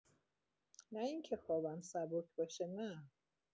نه اینکه خوابم سبک باشه، نه.